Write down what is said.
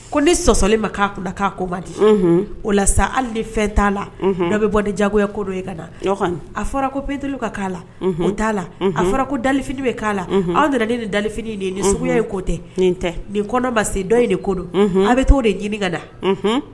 Ko ni sɔsɔlen ma k'a kun k'a koba di o la sa hali ni fɛn t'a la bɛ bɔ jagoya kodo e ka a fɔra ko petlo ka' la n t' la a fɔra ko daf ye k'a la aw de ne de dafini ye nin suguya ye kote nin tɛ nin kɔnɔbase dɔ ye de kodɔn aw bɛ to de jiri ka da